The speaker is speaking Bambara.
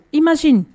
Imagine